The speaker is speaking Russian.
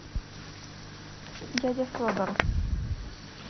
дядя федор